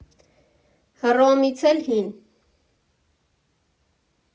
Հռոմից էլ հի՜ն։